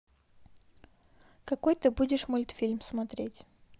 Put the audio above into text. какой ты будешь мультфильм смотреть